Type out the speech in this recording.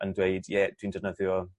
yn dweud ie dwi'n defnyddio